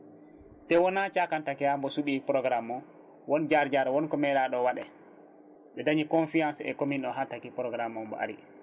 te wona cakan taaki ha mbo suuɓi programme o won jaar jaar :womlof won ko meeɗa ɗon waaɗe ɓe daañi confiance e commune o ha taaki programme mo aari